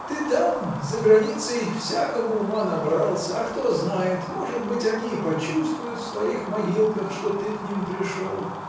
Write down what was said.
Ты там, за границей, всякого ума набрался, а кто знает, может быть, они и почувствуют в своих могилках, что ты к ним пришел.